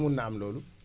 information bi moom